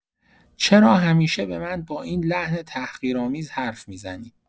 چرا همیشه به من با این لحن تحقیرآمیز حرف می‌زنی؟